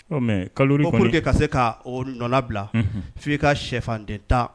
Ɔ mais calorie kɔni ko pour que ka se kaa o nɔnna bila unhun f'i ka sɛfan den 10